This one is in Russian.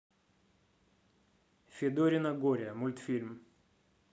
федорино горе мультфильм